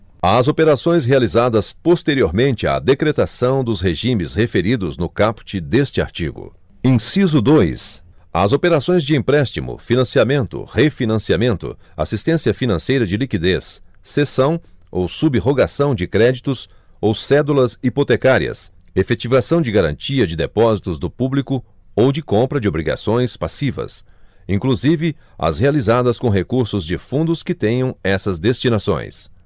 às operações realizadas posteriormente à decretação dos regimes referidos no caput deste artigo inciso dois às operações de empréstimo financiamento refinanciamento assistência financeira de liquidez cessão ou sub rogação de créditos ou cédulas hipotecárias efetivação de garantia de depósitos do público ou de compra de obrigações passivas inclusive as realizadas com recursos de fundos que tenham essas destinações